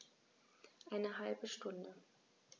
Eine halbe Stunde